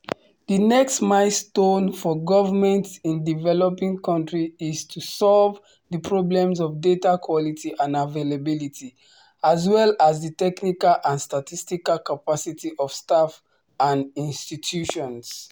The next milestone for governments in developing countries is to solve the problems of data quality and availability, as well as the technical and statistical capacity of staff and institutions.